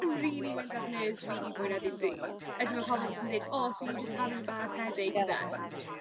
rili mynd ar nerves fi i mwy na dim byd ydi ma' pobol yn jys yn deud o so you jus having a bad headache then.